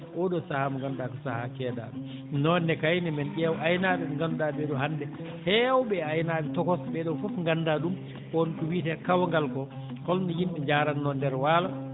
oo ɗoo sahaa mo ngannduɗaa ko sahaa keedaaɗo noon ne kayne men ƴeew aynaaɓe ɓe ngannduɗaa ɓee ɗoo hannde heewɓe e aynaaɓe tokosɓe ɓee ɗoo fof nganndaa ɗum won ko wiite kawgal ko holno yimɓe njaratnoo ndeer waalo